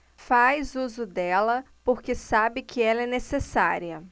faz uso dela porque sabe que ela é necessária